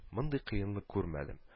Мондый кыенлык күрмәдем